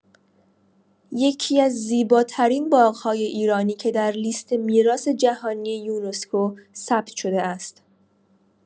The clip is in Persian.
یکی‌از زیباترین باغ‌های ایرانی که در لیست میراث جهانی یونسکو ثبت شده است.